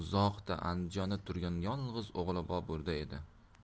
uzoqda andijonda turgan yolg'iz o'g'li boburda edi